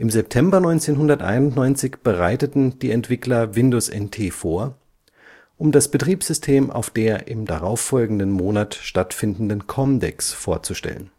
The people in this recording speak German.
September 1991 bereiteten die Entwickler Windows NT vor, um das Betriebssystem auf der im darauffolgenden Monat stattfindenden COMDEX vorzustellen